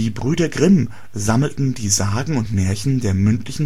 Brüder Grimm sammelten die Sagen und Märchen der mündlichen